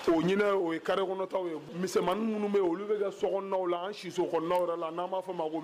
Ɲinin o ye kari kɔnɔtaw ye minnu bɛ olu bɛ ka sow la si soɔnw la n'a b'a fɔ ma ko